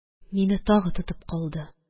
Мине тагы тотып калды.